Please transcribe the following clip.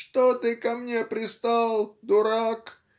- Что ты ко мне пристал, дурак?